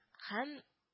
Һәм